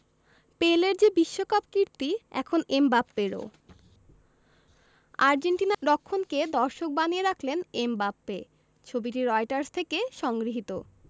পেলের যে বিশ্বকাপ কীর্তি এখন এমবাপ্পেরও আর্জেন্টিনার রক্ষণকে দর্শক বানিয়ে রাখলেন এমবাপ্পে ছবিটি রয়টার্স থেকে সংগৃহীত